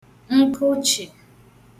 nkụchị̀